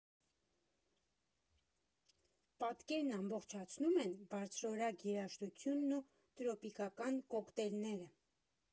Պատկերն ամբողջացնում են բարձրորակ երաժշտությունն ու տրոպիկական կոկտեյլները։